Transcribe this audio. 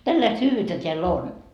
tällaista hyvyyttä täällä on